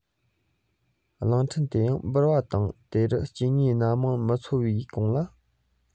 གླིང ཕྲན དེ ཡར འབུར པ དང དེ རུ སྐྱེ དངོས སྣ མང མི འཚོ བའི གོང ལ